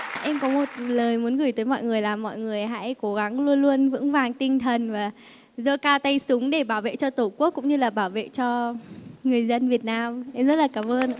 em có một lời muốn gửi tới mọi người là mọi người hãy cố gắng luôn luôn vững vàng tinh thần và giơ cao tay súng để bảo vệ cho tổ quốc cũng như là bảo vệ cho người dân việt nam em rất là cảm ơn